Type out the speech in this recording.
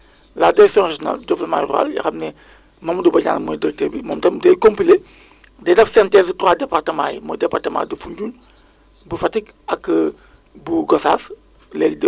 gis nañ ni que bu ñuy def la comparaison par rapport au normal actuellement région de Fatick mën naa wax ni que ni toute la région de Fatick actuellement dafay dafay dafay révélé un profil donc excedentaire